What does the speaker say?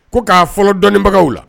Ko k'a fɔlɔ dɔnibagaw la